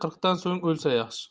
qirqdan so'ng o'lsa yaxshi